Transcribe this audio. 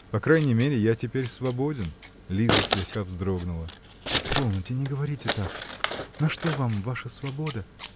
-- По крайней мере я теперь свободен. Лиза слегка вздрогнула. -- Полноте, не говорите так. На что вам ваша свобода?